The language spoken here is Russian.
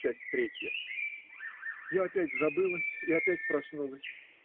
Часть третья. Я опять забылась и опять проснулась.